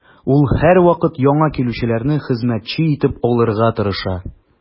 Ул һәрвакыт яңа килүчеләрне хезмәтче итеп алырга тырыша.